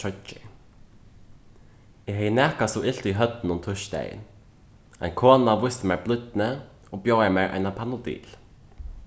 troyggjur eg hevði nakað so ilt í høvdinum týsdagin ein kona vísti mær blídni og bjóðaði mær eina panodil